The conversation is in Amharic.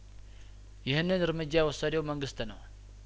ይህንን እርምጃ የወሰደው መንግስት ነው